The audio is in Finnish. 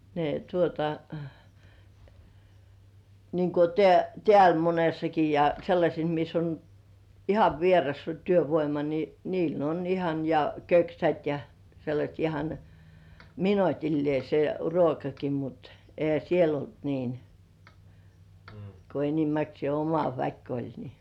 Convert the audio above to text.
ne tuota niin kun - täällä monessakin ja sellaisessa missä on ihan vierasta työvoima niin niillä on ihan ja köksät ja sellaista ihan minuutilleen se ruokakin mutta eihän siellä ollut niin kun enimmäkseen oma väki oli niin